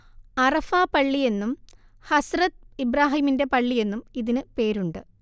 അറഫാ പള്ളിയെന്നും ഹസ്രത്ത് ഇബ്രാഹീമിന്റെ പള്ളിയെന്നും ഇതിനു പേരുണ്ട്